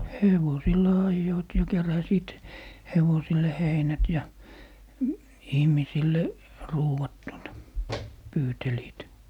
hevosilla ajoivat ja keräsivät hevosille heinät ja ihmisille ruuat tuota pyytelivät